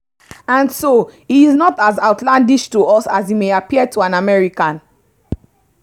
And so, he's not as outlandish to us as he may appear to an American.